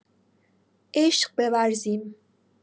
عشق بورزیم.